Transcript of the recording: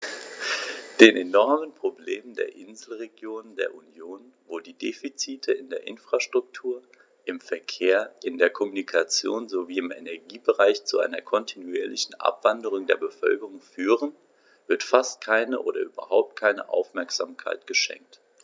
Den enormen Problemen der Inselregionen der Union, wo die Defizite in der Infrastruktur, im Verkehr, in der Kommunikation sowie im Energiebereich zu einer kontinuierlichen Abwanderung der Bevölkerung führen, wird fast keine oder überhaupt keine Aufmerksamkeit geschenkt.